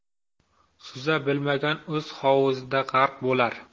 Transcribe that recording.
suza bilmagan o'z hovuzida g'arq bo'lar